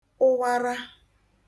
ụwara